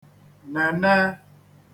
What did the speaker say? nène